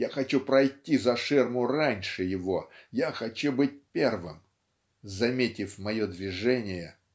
я хочу пройти за ширму раньше его я хочу быть первым. Заметив мое движение